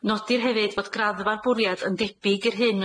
Nodir hefyd fod graddfa'r bwriad yn debyg i'r hyn